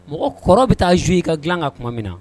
Mɔgɔ kɔrɔ bɛ taa zuo' ka dilan ka tuma min na